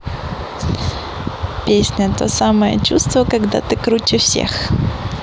песня то самое чувство когда ты круче всех